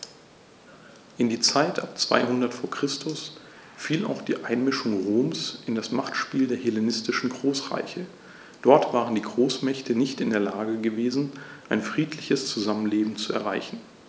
In die Zeit ab 200 v. Chr. fiel auch die Einmischung Roms in das Machtspiel der hellenistischen Großreiche: Dort waren die Großmächte nicht in der Lage gewesen, ein friedliches Zusammenleben zu erreichen.